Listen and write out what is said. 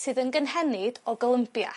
sydd yn gynhennid o Golymbia.